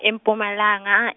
Mpumalanga.